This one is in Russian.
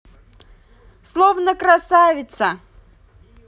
словно красавица